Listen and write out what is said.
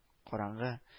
– караңгы